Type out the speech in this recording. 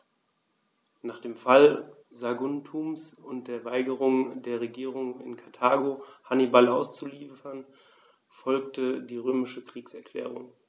Nach dem Fall Saguntums und der Weigerung der Regierung in Karthago, Hannibal auszuliefern, folgte die römische Kriegserklärung.